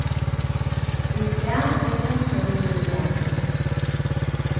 í dag er ein stórur dagur